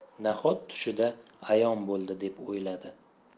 nahot tushida ayon bo'ldi deb o'yladi